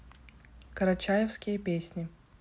карачаевские песни